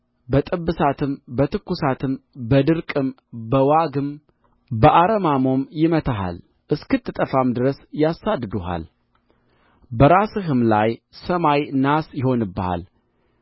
በጥብሳትም በትኲሳትም በድርቅም በዋግም በአረማሞም ይመታሃል እስክትጠፋም ድረስ ያሳድዱሃል በራስህም ላይ ሰማይ ናስ ይሆንብሃል